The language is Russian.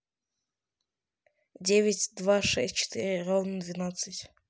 девять два шесть четыреста ровно двенадцать